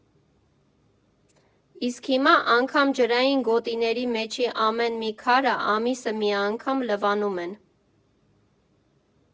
Իսկ հիմա անգամ ջրային գոտիների մեջի ամեն մի քարը ամիսը մի անգամ լվանում են։